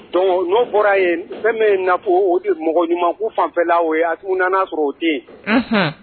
Don n'o bɔra yen fɛn min in o de mɔgɔ ɲuman k'u fanfɛla o ye a u nana' sɔrɔ o den